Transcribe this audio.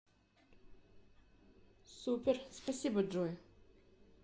супер спасибо джой